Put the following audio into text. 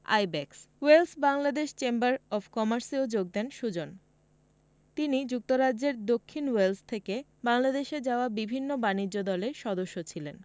IBACS Wales Bangladesh chamber of কমার্সেও যোগ দেন সুজন তিনি যুক্তরাজ্যের দক্ষিণ ওয়েলস থেকে বাংলাদেশে যাওয়া বিভিন্ন বাণিজ্য দলের সদস্য ছিলেন